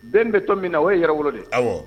Bɛn bɛ tɔn minna o ye Yɛrɛwolo de ye awɔ